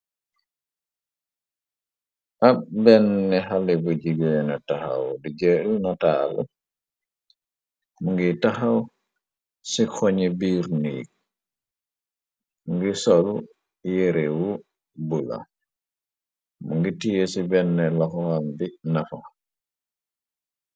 Ab benne xale bu jigéena taxaw di jel nataal mungiy taxaw ci xoñi biir niig ngi solu yerewu bula mu ngi tiyee ci bennen laxo am bi nafa.